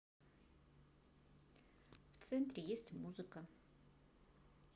в центре есть музыка